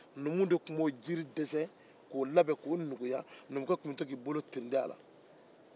numu de tun b'o jiri dɛsɛ k'o nuguya fo numukɛ b'i bolo tirinti a kan